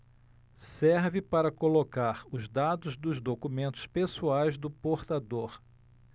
serve para colocar os dados dos documentos pessoais do portador